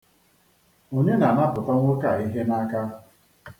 Onye na-anapụta nwoke a ihe n'aka?